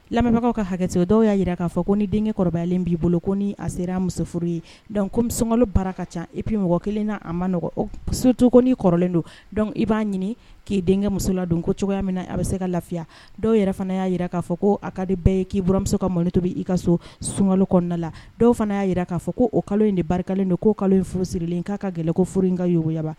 Lamɛnbagawkaw ka hakɛsɛ dɔw y'a jira k'a fɔ ko ni denkɛ kɔrɔbayalen b'i bolo ko a sera musoforo yec sunkalo bara ka ca ip mɔgɔ kelen na a maɔgɔn o so tokon kɔrɔlen don i b'a ɲini k'i denkɛ muso la don ko cogoya min a bɛ se ka lafiya dɔw yɛrɛ fana y'a jira k'a fɔ ko a kadi bɛɛ ye k'iɔrɔmuso ka mali to bɛ i ka so sunka kɔnɔna la dɔw fana y' jira k'a fɔ ko o kalo in de barika don ko kalo in furu sirilen k'a ka gɛlɛn kooro in kayyaba